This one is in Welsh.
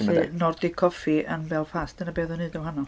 Felly, Nordic Coffee yn Belfast, dyna be o'dd o'n neud yn wahanol.